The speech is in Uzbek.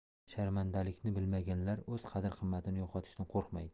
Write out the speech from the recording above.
sharmandalikni bilmaganlar o'z qadr qimmatini yo'qotishdan qo'rqmaydi